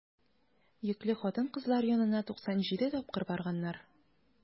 Йөкле хатын-кызлар янына 97 тапкыр барганнар.